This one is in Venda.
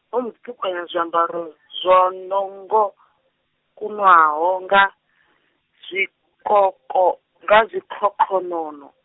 vho mbo ḓi ṱhukhukanya zwiambaro, zwo nongokunwaho, nga, zwikoko- nga zwikhokhonono.